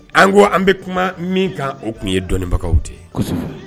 An ko an bɛ kuma min kan, o tun ye dɔnnibagaw de ye